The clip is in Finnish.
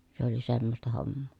se oli semmoista hommaa